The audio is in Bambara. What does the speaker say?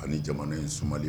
Ani ni jamana in suma